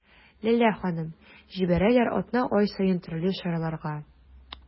Ләлә ханым: җибәрәләр атна-ай саен төрле чараларга.